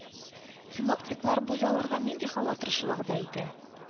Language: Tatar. Синоптиклар бу ялларга нинди һава торышы вәгъдә итә?